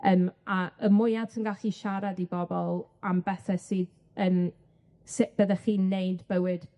Yym a y mwya ti'n gallu siarad i bobol am bethe sydd yym sut byddech chi'n neud bywyd